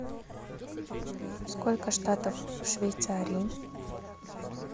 сколько штатов в швейцарии